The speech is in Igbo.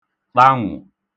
ṭanwụ̀